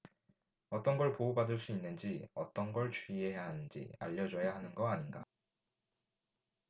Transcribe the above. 어떤 걸 보호받을 수 있는지 어떤 걸 주의해야 하는지 알려줘야 하는 거 아닌가